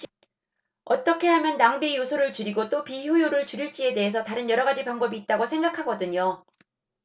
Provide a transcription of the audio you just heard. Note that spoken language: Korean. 어떻게 하면 낭비의 요소를 줄이고 또 비효율을 줄일지에 대해서 다른 여러 가지 방법이 있다고 생각하거든요